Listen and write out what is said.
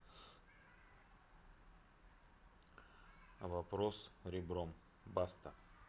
вопрос ребром баста